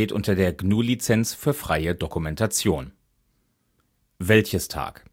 unter der GNU Lizenz für freie Dokumentation. Der Rummelplatz beim Wäldchestag (2002) Wäldchestag